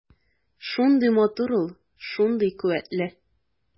Шундый матур ул, шундый куәтле.